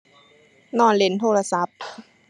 นอนเล่นโทรศัพท์